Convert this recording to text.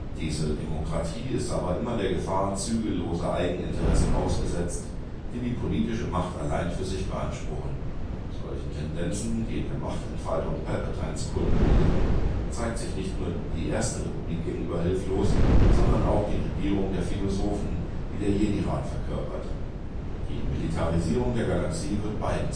Diese Demokratie ist aber immer der Gefahr zügelloser Eigeninteressen ausgesetzt, die die politische Macht allein für sich beanspruchen. Solchen Tendenzen, die in der Machtentfaltung Palpatines kulminieren, zeigt sich nicht nur die erste Republik gegenüber hilflos, sondern auch die „ Regierung der Philosophen “, die der Jedirat verkörpert. Die Militarisierung der Galaxie wird beiden